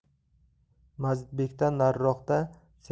mazidbekdan nariroqda semiz